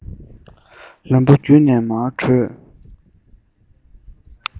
ལམ བུ བརྒྱུད ནས མར བྲོས